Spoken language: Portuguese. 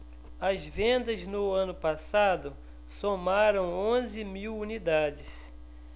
as vendas no ano passado somaram onze mil unidades